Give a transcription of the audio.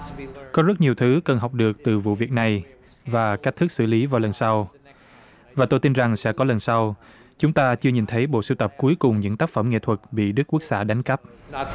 có rất nhiều thứ cần học được từ vụ việc này và cách thức xử lý vào lần sau và tôi tin rằng sẽ có lần sau chúng ta chưa nhìn thấy bộ sưu tập cuối cùng những tác phẩm nghệ thuật bị đức quốc xã đánh cắp